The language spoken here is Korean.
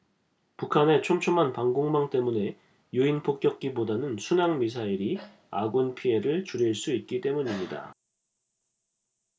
북한의 촘촘한 방공망 때문에 유인 폭격기보다는 순항미사일이 아군 피해를 줄일 수 있기 때문입니다